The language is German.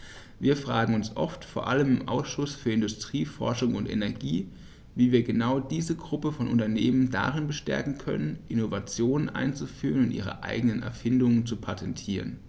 Wir fragen uns oft, vor allem im Ausschuss für Industrie, Forschung und Energie, wie wir genau diese Gruppe von Unternehmen darin bestärken können, Innovationen einzuführen und ihre eigenen Erfindungen zu patentieren.